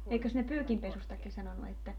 eikös ne pyykinpesustakin sanonut että